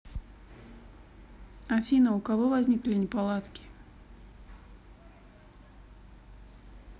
афина у кого возникли неполадки